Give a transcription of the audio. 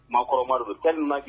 Ma kɔrɔmari tanunaki